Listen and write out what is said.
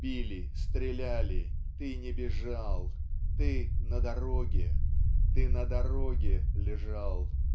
Били, стреляли, Ты не бежал, Ты на дороге, Ты на дороге лежал.